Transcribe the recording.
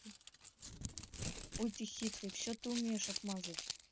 ой ты хитрый все ты умеешь отмазать